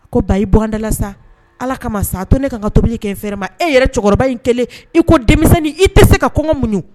Ko da i bugdala sa ala kama sa to ne ka ka tobili kɛ n fɛrɛ ma e yɛrɛ cɛkɔrɔba in kelen i ko denmisɛnnin i tɛ se ka kɔngɔ mun